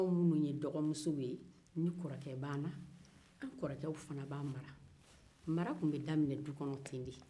anw minnu ye dɔgɔmusow ye ni kɔrɔkɛ b'an na anw kɔrɔkew fana b'an mara mara tun be daminɛ du kɔnɔ ten de